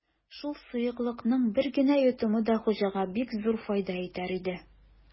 Шул сыеклыкның бер генә йотымы да хуҗага бик зур файда итәр иде.